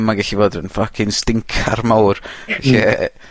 ma'n gellu fod yn fucking stincar mawr lle